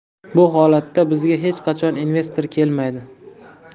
bu holatda bizga hech qachon investor kelmaydi